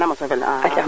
xana moso fel axa